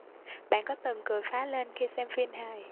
bạn có từng cười phá lên khi xem phim hài